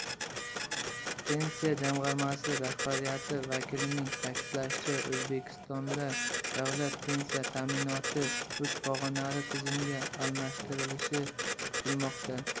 pensiya jamg'armasi rahbariyati vakilining ta'kidlashicha o'zbekistonda davlat pensiya ta'minoti uch pog'onali tizimga almashtirilishi kutilmoqda